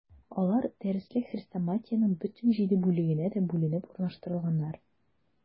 Алар дәреслек-хрестоматиянең бөтен җиде бүлегенә дә бүленеп урнаштырылганнар.